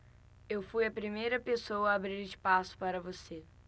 eu fui a primeira pessoa a abrir espaço para você